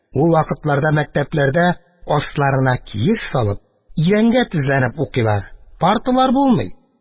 Ул вакытларда мәктәпләрдә, асларына киез салып, идәнгә тезләнеп укыйлар: парталар булмый.